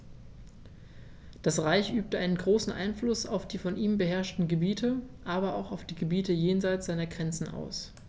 Das Reich übte einen großen Einfluss auf die von ihm beherrschten Gebiete, aber auch auf die Gebiete jenseits seiner Grenzen aus.